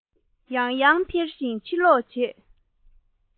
ཡང ཡང འཕེན བཞིན ཕྱིར ལོག སོང